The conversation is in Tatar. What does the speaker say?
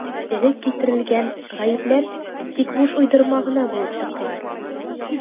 Элек китерелгән «гаепләр» тик буш уйдырма гына булып чыктылар.